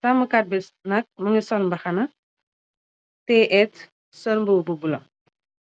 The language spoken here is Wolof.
sammkat bi nak mungi sol mbaxana teh ehht sol mbuba bu bleu.